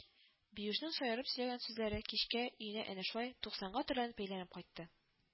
Биюшнең шаярып сөйләгән сүзләре кичкә өенә әнә шулай туксанга төрләнеп әйләнеп кайтты